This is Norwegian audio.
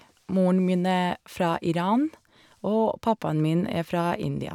Moren min er fra Iran, og pappaen min er fra India.